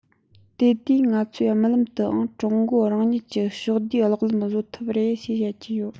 དེ དུས ང ཚོས རྨི ལམ དུའང ཀྲུང གོ རང ཉིད ཀྱི ཕྱོགས བསྡུས གློག ལམ བཟོ ཐུབ རེ བྱེད ཀྱིན ཡོད